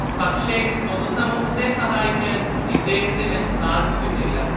പക്ഷേ പൊതു സമൂഹത്തെ സഹായിക്കാൻ ഇദ്ദേഹത്തിന് സാധിക്കുന്നില്ല